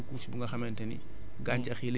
bu àndeeg argiles yi du sol yi